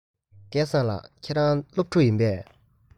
སྐལ བཟང ལགས ཁྱེད རང སློབ ཕྲུག ཡིན པས